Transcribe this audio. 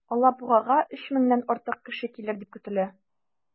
Алабугага 3 меңнән артык кеше килер дип көтелә.